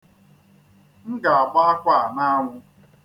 M ga-agba akwa a n'anwụ.